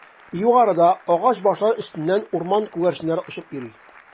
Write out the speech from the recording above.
Югарыда агач башлары өстеннән урман күгәрченнәре очып йөри.